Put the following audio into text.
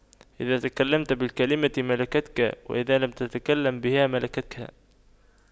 إذا تكلمت بالكلمة ملكتك وإذا لم تتكلم بها ملكتها